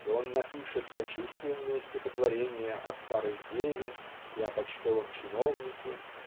и он напишет сочувственные стихотворения о старой деве и о почтовом чиновнике